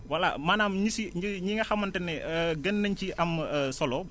voilà maanaam ñu ci ñi nga xamante ne gën nañ ci am solo